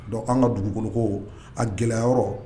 Don an ka dugukoloko a gɛlɛyɔrɔ